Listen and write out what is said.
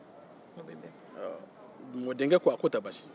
mɔdenkɛ ko k'o tɛ baasi ye